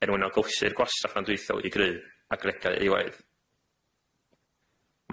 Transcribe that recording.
er mwyn algylchu'r gwastraff andwythiol i greu agregau eilaidd,